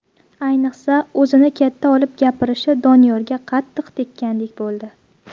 ayniqsa o'zini katta olib gapirishi doniyorga qattiq tekkandek bo'ldi